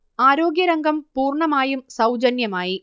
ആരോഗ്യരംഗം പൂർണ്ണമായും സൗജന്യമായി